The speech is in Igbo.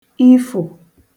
ifò